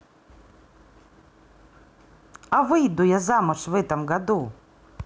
а выйду я замуж в этом году